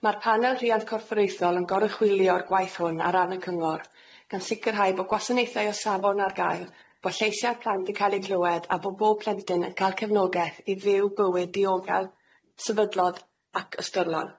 Ma'r Panel Rhiant Corfforaethol yn goruchwylio'r gwaith hwn ar ran y Cyngor, gan sicrhau bo' gwasanaethau o safon ar gael, bo' lleisia'r plant yn ca'l eu clywed, a bo' bob plentyn yn ca'l cefnogaeth i fyw bywyd diogel, sefydlog ac ystyrlon.